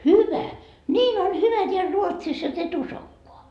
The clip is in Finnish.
hyvä niin on hyvä täällä Ruotsissa jotta et uskokaan